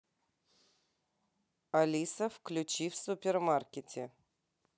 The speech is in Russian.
алиса включи в супермаркете